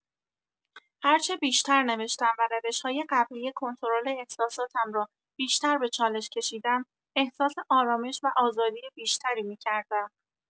هرچه بیشتر نوشتم و روش‌های قبلی کنترل احساساتم را بیشتر به چالش کشیدم، احساس آرامش و آزادی بیشتری می‌کردم.